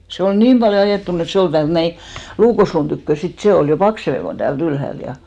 se oli niin paljon ajettunut että se oli täältä näin luukosluun tyköä sitten se oli jo paksumpi kuin täältä ylhäältä ja